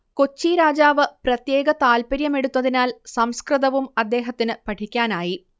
കൊച്ചിരാജാവ് പ്രത്യേക താൽപര്യമെടൂത്തതിനാൽ സംസ്കൃതവും അദ്ദേഹത്തിനു പഠിക്കാനായി